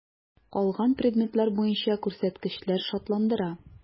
Калган предметлар буенча күрсәткечләр шатландыра.